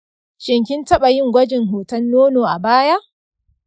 shin kin taɓa yin gwajin hoton nono a baya?